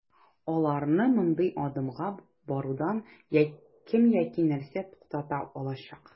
Аларны мондый адымга барудан кем яки нәрсә туктата алачак?